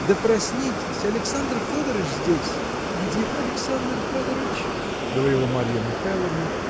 – Да проснитесь; Александр Федорыч здесь. – Где Александр Федорыч? – говорила Марья Михайловна